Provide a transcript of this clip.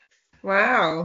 waw.